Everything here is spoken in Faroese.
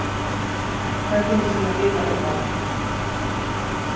tær fingu sínar bilar umvældar